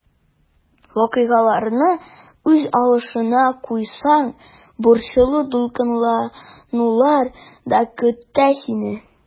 Вакыйгаларны үз агышына куйсаң, борчылу-дулкынланулар да көтә сине.